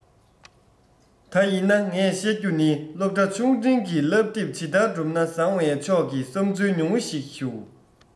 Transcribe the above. དེ ཡིན ན ངས བཤད རྒྱུ ནི སློབ གྲྭ ཆུང འབྲིང གི བསླབ དེབ ཇི ལྟར བསྒྲུབ ན བཟང བའི ཕྱོགས ཀྱི བསམ ཚུལ ཉུང ངུ ཞིག ཞུ